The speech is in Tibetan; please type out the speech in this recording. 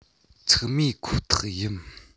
འཚིག རྨས ཁོ ཐག ཡིན